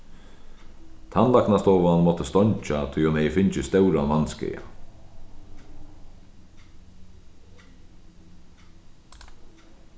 tannlæknastovan mátti steingja tí hon hevði fingið stóran vatnskaða